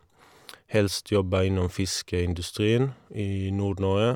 Helst jobbe innom fiskeindustrien i Nord-Norge.